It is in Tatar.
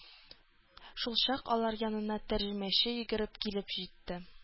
Шулчак алар янына тәрҗемәче йөгереп килеп җитте.